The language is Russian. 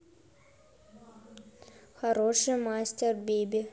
хороший мастер биби